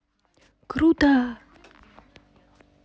круто